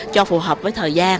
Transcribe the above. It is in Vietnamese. cho phù hợp với thời gian